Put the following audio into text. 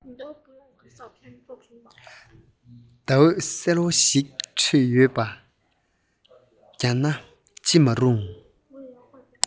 ཟླ འོད གསལ བོ ཞིག འཕྲོས ཡོད རྒྱུ ན ཅི མ རུང